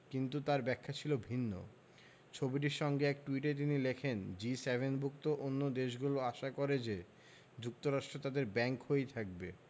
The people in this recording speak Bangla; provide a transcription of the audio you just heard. কিন্তু তাঁর ব্যাখ্যা ছিল ভিন্ন ছবিটির সঙ্গে এক টুইটে তিনি লেখেন জি সেভেন ভুক্ত অন্য দেশগুলো আশা করে যে যুক্তরাষ্ট্র তাদের ব্যাংক হয়েই থাকবে